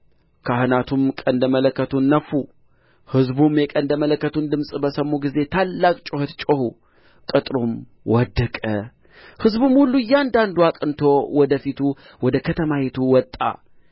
ካህናቱም ቀንደ መለከቱን ነፉ ሕዝቡም የቀንደ መለከቱን ድምፅ በሰሙ ጊዜ ታላቅ ጩኸት ጮኹ ቅጥሩም ወደቀ ሕዝቡም ሁሉ እያንዳንዱ አቅንቶ ወደ ፊቱ ወደ ከተማይቱ ወጣ